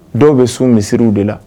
Dɔw bɛ sun misisiriw de la